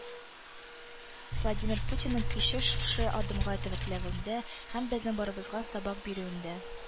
“владимир путинның көче шушы адымга тәвәккәлләвендә һәм безнең барыбызга сабак бирүендә